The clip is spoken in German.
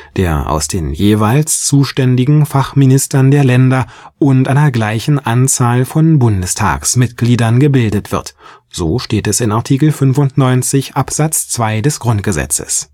der aus den jeweils zuständigen Fachministern der Länder und einer gleichen Zahl von Bundestagsmitgliedern gebildet wird (Art. 95 Abs. 2 GG